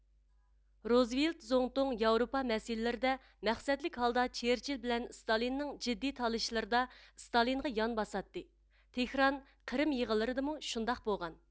روزۋېلت زۇڭتۇڭ ياۋروپا مەسىلىلىرىدە مەقسەتلىك ھالدا چېرچىل بىلەن ستالىننىڭ جىددىي تالىشىشلىرىدا سىتالىنغا يان باساتتى تېھران قىرىم يىغىنلىرىدىمۇ شۇنداق بولغان